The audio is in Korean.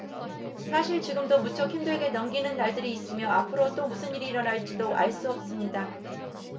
사실 지금도 무척 힘들게 넘기는 날들이 있으며 앞으로 또 무슨 일이 일어날지도 알 수 없습니다